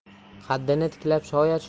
qaddini tiklab shoyad